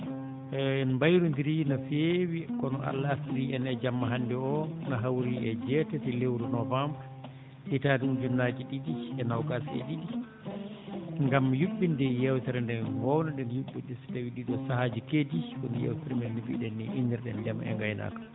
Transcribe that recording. en mbayronndiri no feewi kono Allah artirii en e jamma hannde oo n hawri e jeetati lewru novembre hitaande ujunnaaje ɗiɗi e noogaas e ɗiɗi ngam yuɓɓinde yeewtere nde ngoownoɗe yuɓɓinde so tawii ɗii ɗoo sahaaji keedii woni yeewtere nde mbiɗen nii innirɗen ndema e ngaynaaka